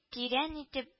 Тирән итеп